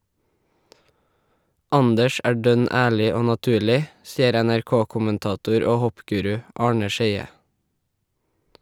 Anders er dønn ærlig og naturlig , sier NRK-kommentator og hoppguru Arne Scheie.